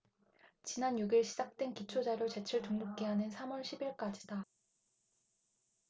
지난 육 일 시작된 기초자료 제출 등록 기한은 삼 월 십 일까지다